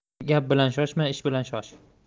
gap bilan shoshma ish bilan shosh